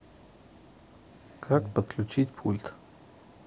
как подключить пульт